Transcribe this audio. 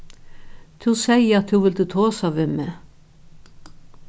tú segði at tú vildi tosa við meg